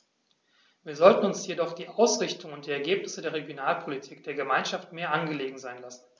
Wir sollten uns jedoch die Ausrichtung und die Ergebnisse der Regionalpolitik der Gemeinschaft mehr angelegen sein lassen.